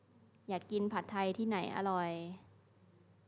อยากกินผัดไทยที่ไหนอร่อย